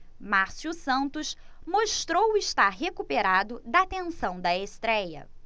márcio santos mostrou estar recuperado da tensão da estréia